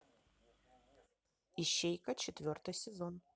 ищейка четвертый сезон